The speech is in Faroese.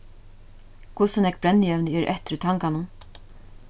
hvussu nógv brennievni er eftir í tanganum